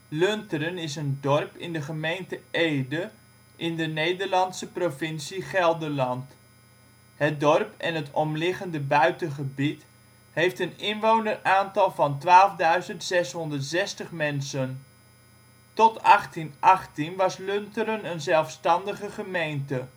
Lunteren is een dorp in de gemeente Ede in de Nederlandse provincie Gelderland. Het dorp en het omliggende buitengebied heeft een inwoneraantal van 12.660 mensen (2006). Tot 1818 was Lunteren een zelfstandige gemeente